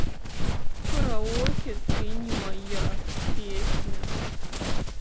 караоке ты не моя песня